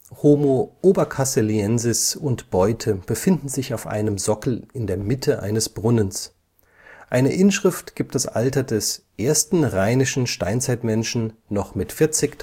Homo obercasseliensis “und Beute befinden sich auf einem Sockel in der Mitte eines Brunnens. Eine Inschrift gibt das Alter des „ ersten rheinischen Steinzeitmenschen “noch mit 40.000